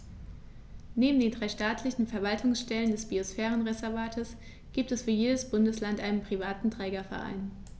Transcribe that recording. Neben den drei staatlichen Verwaltungsstellen des Biosphärenreservates gibt es für jedes Bundesland einen privaten Trägerverein.